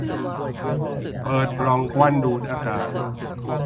เปิดปล่องควันดูดอากาศ